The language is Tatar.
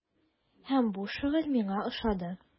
Һәм бу шөгыль миңа ошады.